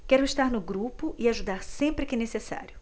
quero estar no grupo e ajudar sempre que necessário